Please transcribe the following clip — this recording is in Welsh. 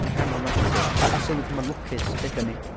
yng nghanol natur a- a sylwi pa mor lwcus ydan ni.